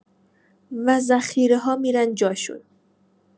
و ذخیره‌ها می‌رن جاشون